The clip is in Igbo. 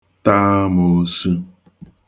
tà amōōsū